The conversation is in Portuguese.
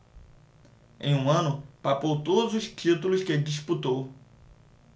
em um ano papou todos os títulos que disputou